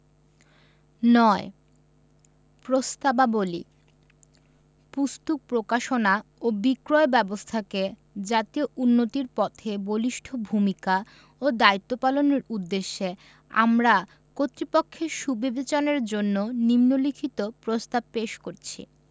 ৯ প্রস্তাবাবলী পুস্তক প্রকাশনা ও বিক্রয় ব্যাবস্থাকে জাতীয় উন্নতির পথে বলিষ্ঠ ভূমিকা ও দায়িত্ব পালনের উদ্দেশ্যে আমরা কর্তৃপক্ষের সুবিবেচনার জন্য নিন্ম লিখিত প্রস্তাব পেশ করছি